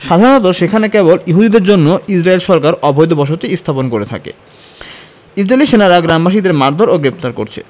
সাধারণত সেখানে কেবল ইহুদিদের জন্য ইসরাইল সরকার অবৈধ বসতি স্থাপন করে থাকে ইসরাইলী সেনারা গ্রামবাসীদের মারধোর ও গ্রেফতার করছে